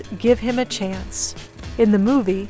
gét hép mít troe in de mô vì